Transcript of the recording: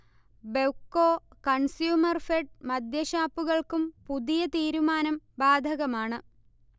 ബെവ്കോ, കൺസ്യൂമർഫെഡ് മദ്യഷാപ്പുകൾക്കും പുതിയ തീരുമാനം ബാധകമാണ്